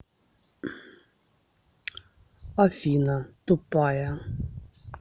афина тупая